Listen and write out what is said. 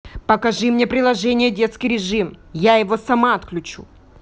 покажи мне приложение детский режим я его сама отключу